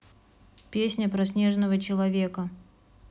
песня про снежного человека